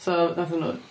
So, wnaethon nhw...